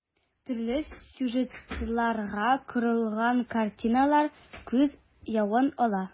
Төрле сюжетларга корылган картиналар күз явын ала.